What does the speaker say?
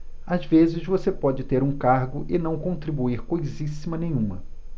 às vezes você pode ter um cargo e não contribuir coisíssima nenhuma